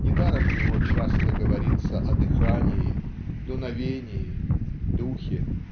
Недаром у него часто говорится о дыхании, дуновении, духе